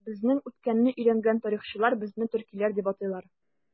Безнең үткәнне өйрәнгән тарихчылар безне төркиләр дип атыйлар.